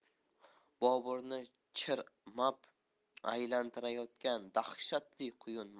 boburni chir mab aylantirayotgan dahshatli quyun